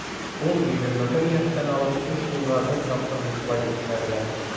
Ул 21 яшьтән алып 3 елга бер тапкыр бушлай үткәрелә.